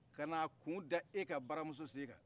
ka na a kun da e ka baramuso sen kan